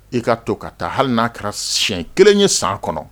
I kaa to ka taa hali n'a kɛra si kelen ye san kɔnɔ